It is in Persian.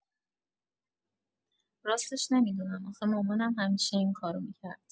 راستش نمی‌دونم آخه مامانم همیشه این کار رو می‌کرد.